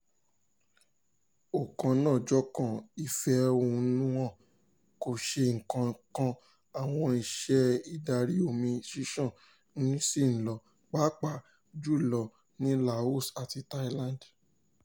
Ọ̀kanòjọ̀kan ìfẹ̀hónúhàn kò ṣe nǹkan kan, àwọn iṣẹ́ ìdarí-omi ṣíṣàn ṣì ń lọ, pàápàá jù lọ ní Laos àti Thailand.